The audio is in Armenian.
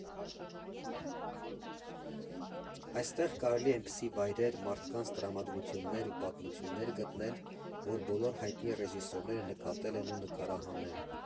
Այստեղ կարելի է էնպիսի վայրեր, մարդկանց, տրամադրություններ ու պատմություններ գտնել, որ բոլոր հայտնի ռեժիսորները նկատել են ու նկարահանել։